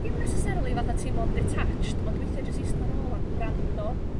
dim necessarily fatha teimlo'n detached ond weithia' jys iasta nôl a gwrando